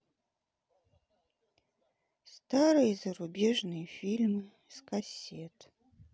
старые зарубежные фильмы с кассет